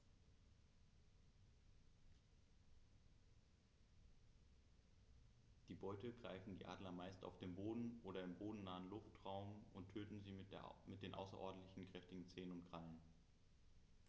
Die Beute greifen die Adler meist auf dem Boden oder im bodennahen Luftraum und töten sie mit den außerordentlich kräftigen Zehen und Krallen.